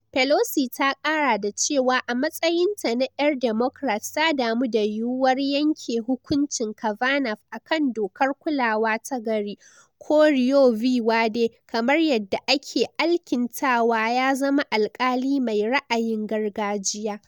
Pelosi ta kara da cewa a matsayin ta na yar Democrat ta damu da yiwuwar yanke hukuncin Kavanaugh akan Dokar Kulawa tagari ko Roe v. Wade, Kamar yadda ake alkintawa ya zama alkali mai ra’ayin gargajiya.